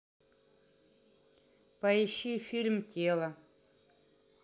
поищи фильм тело